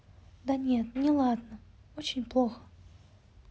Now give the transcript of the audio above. да нет неладно очень плохо